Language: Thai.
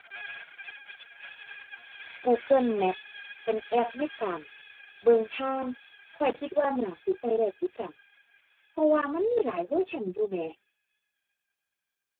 Google Maps เป็นแอปในการเบิ่งทาง ข้อยคิดว่าน่าสิใช้ได้คือกัน เพราะว่ามันมีหลายเวอร์ชันอยู่แหม